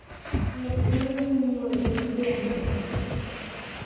необыкновенная милая бесценная